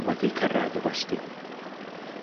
...wedi cyrraedd y gwesty.